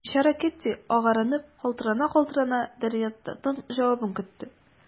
Бичара Кэтти, агарынып, калтырана-калтырана, д’Артаньянның җавабын көтте.